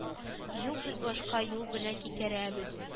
Юк без башка юл белән китерәбез